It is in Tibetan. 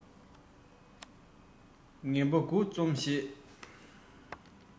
ངན པ དགུ འཛོམས ཞེས